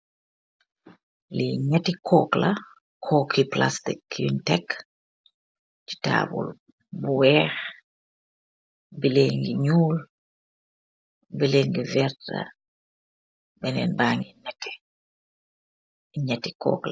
Li nyeti kook la, kook yu plastic yun tek chi tabul bu weakh, bele yangi nyul, bele yangi verte, benen bangi neteh. Nyeti kook len.